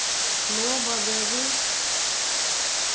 klovavegur